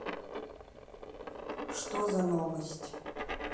что за новость